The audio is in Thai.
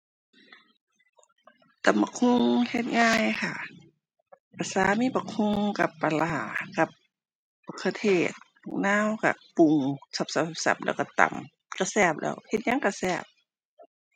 ตำบักหุ่งเฮ็ดง่ายค่ะ ประสามีบักหุ่ง กับปลาร้า กับบักเขือเทศ บักนาว ก็ปรุง สับสับสับสับแล้วก็ตำ ก็แซ่บแล้ว เฮ็ดหยังก็แซ่บ